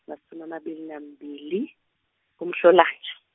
masumi amabili nambili, kuMhlolanja.